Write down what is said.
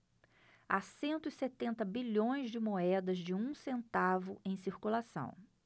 há cento e setenta bilhões de moedas de um centavo em circulação